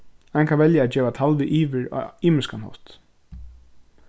ein kann velja at geva talvið yvir á ymiskan hátt